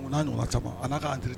O n'a ɲɔgɔnna caman, a n'a ka entre